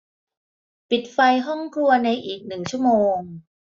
ปิดไฟห้องครัวในอีกหนึ่งชั่วโมง